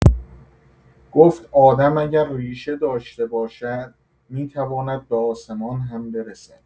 گفت آدم اگر ریشه داشته باشد، می‌تواند به آسمان هم برسد.